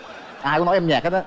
ai cũng nói em nhạt hết á